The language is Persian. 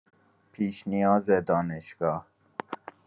پیش‌نیاز دانشگاه